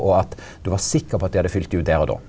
og at du var sikker på at dei hadde fylt dei ut der og då.